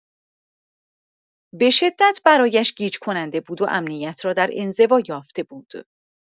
به‌شدت برایش گیج‌کننده بود و امنیت را در انزوا یافته بود.